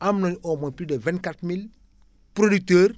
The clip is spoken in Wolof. am nañ au moins plus de vingt quatre mille producteurs